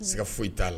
Siga foyi t'a la.